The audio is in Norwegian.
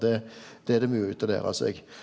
det det er det mogleg å læra seg.